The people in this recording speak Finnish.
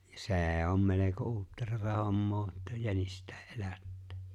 ja se on melko uutteraa hommaa että jänistäkin elättää